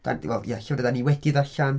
Da ni 'di wel ie llyfrau dan ni wedi'u ddarllen.